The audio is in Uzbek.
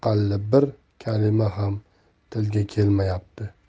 aqalli bir kalima ham tilga kelmayapti